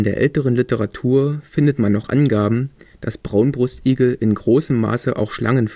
älteren Literatur findet man noch Angaben, dass Braunbrustigel in großem Maße auch Schlangen